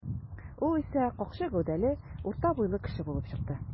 Ул исә какча гәүдәле, урта буйлы кеше булып чыкты.